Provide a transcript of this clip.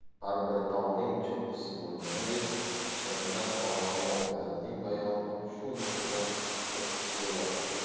har bir tog'ning cho'qqisi bo'lganidek shaytanat olami voqealarining bayoni ham shu nuqtada cho'qqisiga boradi